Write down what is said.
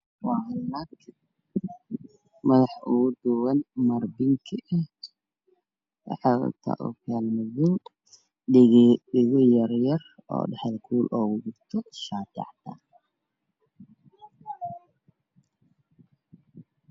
Wanaag waa ay qabtaa marcadaan madaxa waxaa ugu duwan xad gudub liibiya ah oqyaal ayay qabtaa dhagaha wey u diran yihiin